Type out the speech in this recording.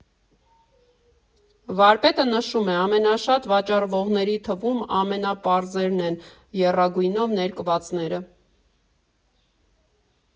Վարպետը նշում է՝ ամենաշատ վաճառվողների թվում ամենապարզերն են՝ եռագույնով ներկվածները.